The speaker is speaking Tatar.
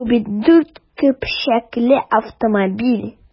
Бу бит дүрт көпчәкле автомобиль!